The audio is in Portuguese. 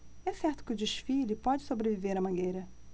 é certo que o desfile pode sobreviver à mangueira